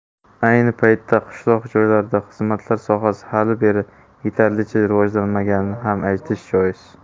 ayni paytda qishloq joylarda xizmatlar sohasi hali beri yetarlicha rivojlanmaganini ham aytish joiz